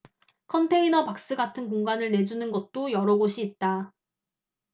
컨테이너 박스 같은 공간을 내주는 곳도 여러 곳이 있다